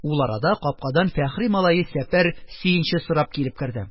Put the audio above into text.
Ул арада капкадан Фәхри малае Сәпәр сөенче сорап килеп керде.